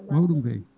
mawɗum kayi